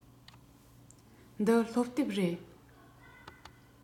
འདི སློབ དེབ རེད